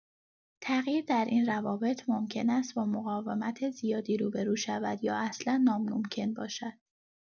تغییر در این روابط ممکن است با مقاومت زیادی روبه‌رو شود یا اصلا ناممکن باشد.